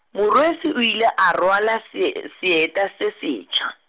Morwesi o ile a rwala see-, seeta se setjha.